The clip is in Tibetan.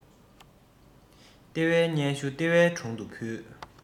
ལྟེ བའི སྙན ཞུ ལྟེ བའི དྲུང དུ ཕུལ